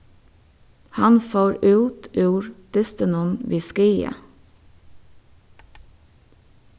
hann fór út úr dystinum við skaða